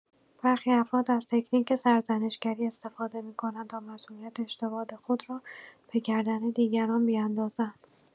برخی افراد از تکنیک سرزنش‌گری استفاده می‌کنند تا مسئولیت اشتباهات خود را به گردن دیگران بیندازند.